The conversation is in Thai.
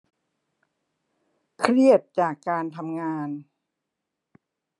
เครียดจากการทำงาน